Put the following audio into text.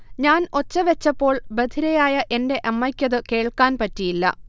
ഞാൻ ഒച്ച വെച്ചപ്പോൾ ബധിരയായ എന്റെ അമ്മയ്ക്കതു കേൾക്കാൻ പറ്റിയില്ല